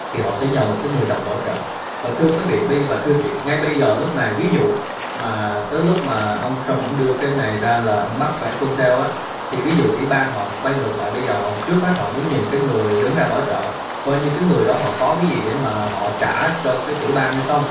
thì họ sẽ nhờ một cái người đồng bảo trợ và thưa quý vị bi và thưa chuyện ngay bây giờ lúc này ví dụ mà tới lúc mà ông trăm ông đưa cái này ra là ông bắt phải tuân theo thì ví dụ tiểu bang họ quay ngược lại bây giờ họ trước hết họ muốn nhìn cái người đứng ra bảo trợ coi như cái người đó họ có cái gì để mà họ trả cho các tiểu bang hay không